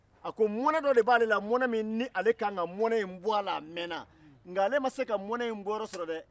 a ko mɔnɛ dɔ de b'ale la mɔnɛ min ni ale k'an ka mɔnɛ in bɔ a la a mɛnna nka ale ma se ka mɔnɛ in bɔ yɔrɔ sɔrɔ dɛ